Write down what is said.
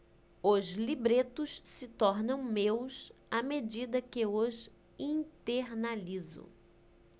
os libretos se tornam meus à medida que os internalizo